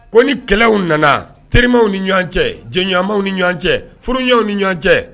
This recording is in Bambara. Ko ni kɛlɛ nana terimaw ni ɲɔgɔn cɛ jɛɲɔgɔnw ni ɲɔgɔn cɛ furuyaw ni ɲɔgɔn cɛ